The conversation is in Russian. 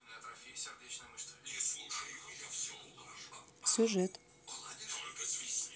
сюжет